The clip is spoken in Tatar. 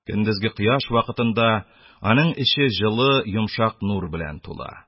Көндезге кояш вакытында аның эче җылы, йомшак нур белән тула...